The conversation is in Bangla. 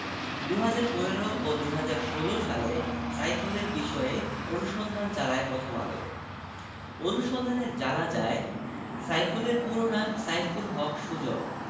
২০১৫ ও ২০১৬ সালে সাইফুলের বিষয়ে অনুসন্ধান চালায় প্রথম আলো অনুসন্ধানে জানা যায় সাইফুলের পুরো নাম সাইফুল হক সুজন